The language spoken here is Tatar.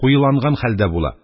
Куеланган хәлдә була.